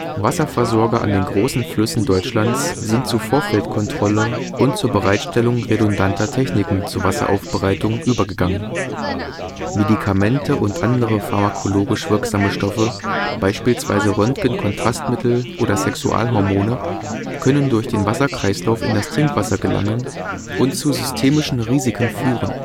Wasserversorger an den großen Flüssen Deutschlands sind zu Vorfeldkontrolle und zur Bereitstellung redundanter Techniken zur Wasseraufbereitung übergegangen. Medikamente und andere pharmakologisch wirksame Stoffe, beispielsweise Röntgenkontrastmittel oder Sexualhormone, können durch den Wasserkreislauf in das Trinkwasser gelangen und zu systemischen Risiken führen